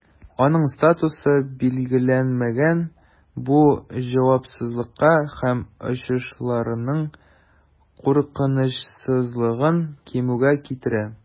Аның статусы билгеләнмәгән, бу җавапсызлыкка һәм очышларның куркынычсызлыгын кимүгә китерә.